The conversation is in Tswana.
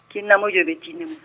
ke nna mo Joubertina.